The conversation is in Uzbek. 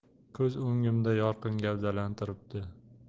ko'z o'ngimda yorqin gavdalantiribdi